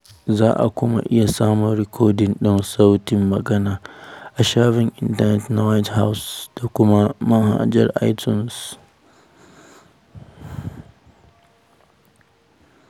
Za a kuma iya samun rikodin ɗin sautin maganar a shafin intanet na White House da kuma manhajar iTunes.